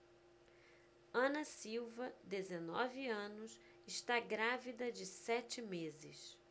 ana silva dezenove anos está grávida de sete meses